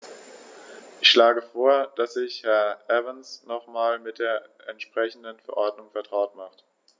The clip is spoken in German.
Ich schlage vor, dass sich Herr Evans nochmals mit der entsprechenden Verordnung vertraut macht.